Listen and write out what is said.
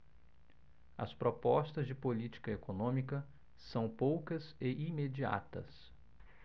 as propostas de política econômica são poucas e imediatas